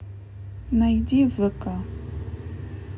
найди в вк